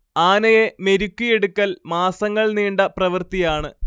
ആനയെ മെരുക്കിയെടുക്കൽ മാസങ്ങൾ നീണ്ട പ്രവൃത്തിയാണ്